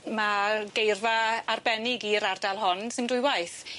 Ma' geirfa arbennig i'r ardal hon sim dwy waith.